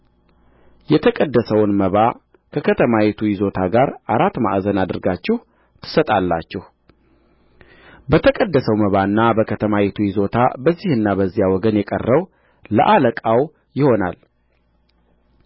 የተቀደሰውን መባ ከከተማይቱ ይዞታ ጋር አራት ማዕዘን አድርጋችሁ ትሰጣላችሁ በተቀደሰው መባና በከተማይቱ ይዞታ በዚህና በዚያ ወገን የቀረው ለአለቃው ይሆናል